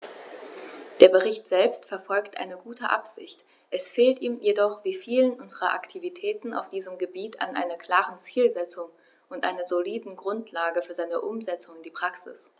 Der Bericht selbst verfolgt eine gute Absicht, es fehlt ihm jedoch wie vielen unserer Aktivitäten auf diesem Gebiet an einer klaren Zielsetzung und einer soliden Grundlage für seine Umsetzung in die Praxis.